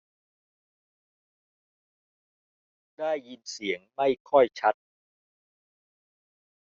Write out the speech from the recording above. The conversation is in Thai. ได้ยินเสียงไม่ค่อยชัด